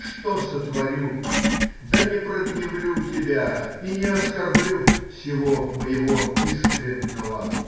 что сотворю, да не прогневлю тебя и не оскорблю сего моего искреннего?